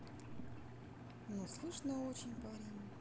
но слышно очень парень